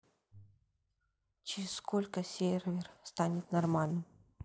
через сколько сервер станет нормальным